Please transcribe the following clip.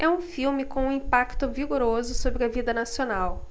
é um filme com um impacto vigoroso sobre a vida nacional